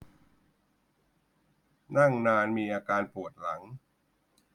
นั่งนานมีอาการปวดหลัง